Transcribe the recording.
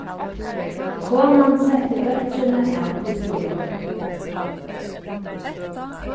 konan setti dóttrina av í skúlanum